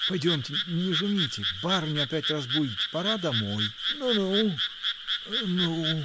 — Пойдемте, не шумите: барыню опять разбудите, пора домой! — Ну, ну. ну.